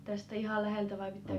tästä ihan läheltä vai -